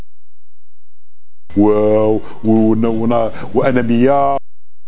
واو واو